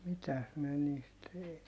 mitäs minä niistä